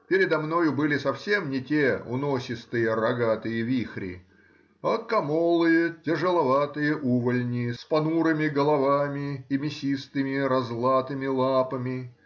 передо мною были совсем не те уносистые рогатые вихри, а комолые, тяжеловатые увальни с понурыми головами и мясистыми, разлатыми лапами.